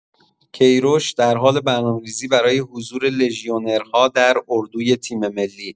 کی‌روش در حال برنامه‌ریزی برای حضور لژیونرها در اردوی تیم‌ملی